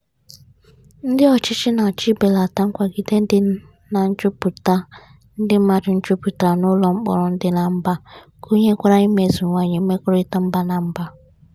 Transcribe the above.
Ndị ọchịchị na-achọ ibelata nkwagide dị na njuputa ndị mmadụ juputara n'ụlọ mkpọrọ dị na mba gunyekwara imeziwanye mmekọrịta mba na mba.